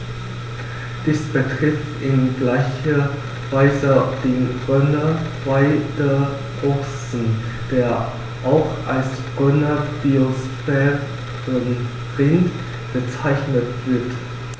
Dies betrifft in gleicher Weise den Rhöner Weideochsen, der auch als Rhöner Biosphärenrind bezeichnet wird.